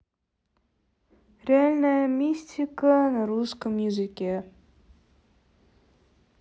реальная мистика на русском языке